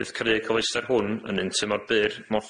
Bydd cyfleusder hwn yn un tymor byr mewn